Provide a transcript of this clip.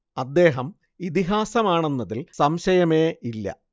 അദ്ദേഹം ഇതിഹാസമാണെന്നതിൽ സംശയമേയില്ല